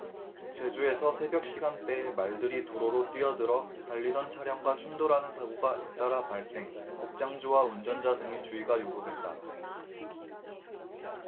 제주에서 새벽시간대에 말들이 도로로 뛰어들어 달리던 차량과 충돌하는 사고가 잇따라 발생 목장주와 운전자 등의 주의가 요구된다